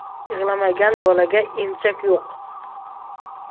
yig'lamagan bolaga emchak yo'q